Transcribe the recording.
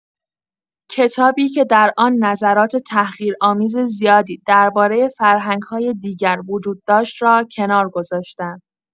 کتابی که در آن نظرات تحقیرآمیز زیادی درباره فرهنگ‌های دیگر وجود داشت را کنار گذاشتم.